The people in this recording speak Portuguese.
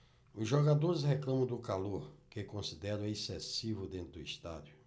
os jogadores reclamam do calor que consideram excessivo dentro do estádio